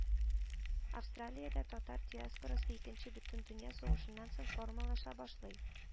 Австралиядә татар диаспорасы Икенче бөтендөнья сугышыннан соң формалаша башлый